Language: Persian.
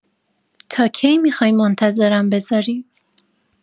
تا کی می‌خوای منتظرم بذاری؟